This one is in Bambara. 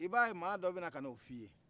i b'a ye maa dɔ bɛ na ka n'o f'i ye